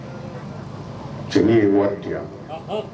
Tiɲɛ ye wari di yan